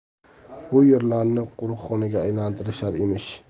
bu yerlarni qo'riqxonaga aylantirishar emish